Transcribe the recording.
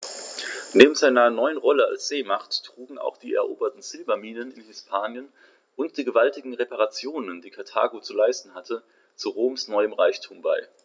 Neben seiner neuen Rolle als Seemacht trugen auch die eroberten Silberminen in Hispanien und die gewaltigen Reparationen, die Karthago zu leisten hatte, zu Roms neuem Reichtum bei.